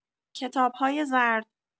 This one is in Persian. کتاب‌های زرد